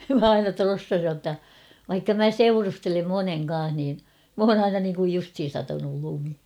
minä aina trossasin jotta vaikka minä seurustelen monen kanssa niin minä olen aina niin kuin justiin satanut lumi